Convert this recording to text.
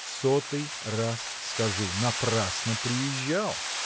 В сотый раз скажу: напрасно приезжал!